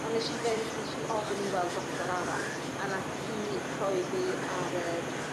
On' nesh i fynd on' neh i ofyn i weld doctor arall, a nath hi rhoi fi ar yr